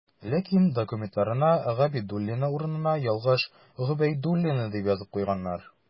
Ләкин документына «Габидуллина» урынына ялгыш «Гобәйдуллина» дип язып куйганнар.